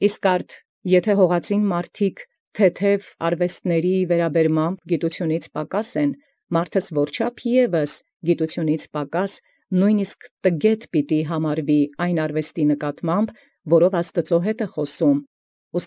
Իսկ արդ եթէ թեթևագոյն արուեստից՝ յակասագոյն են ի գիտութենէ ազգք երկրածնացս, ո՛րչափ ևս այնմ արուեստի ոք համարեսցի և անգիտանալ՝ որ ընդ Աստուած զխաւսսն կատարէ։